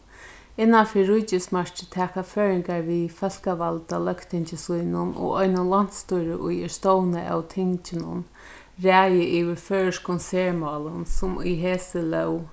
innan fyri ríkismarkið taka føroyingar við fólkavalda løgtingi sínum og einum landsstýri ið er stovnað av tinginum ræði yvir føroyskum sermálum sum í hesi lóg